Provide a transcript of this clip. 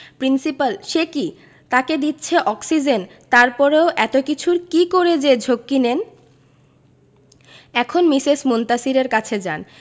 principal সে কি তাকে দিচ্ছে অক্সিজেন তারপরেও এত কিছুর কি করে যে ঝক্কি নেন এখন মিসেস মুনতাসীরের কাছে যান